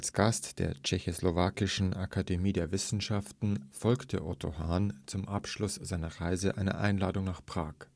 Gast der Tschechoslowakischen Akademie der Wissenschaften folgte Otto Hahn zum Abschluss seiner Reise einer Einladung nach Prag